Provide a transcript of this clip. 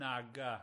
Naga.